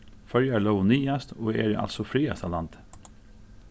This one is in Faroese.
føroyar lógu niðast og eru altso frægasta landið